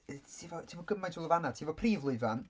Ti efo ti efo gymaint o lwyfannau, ti efo Prif Lwyfan.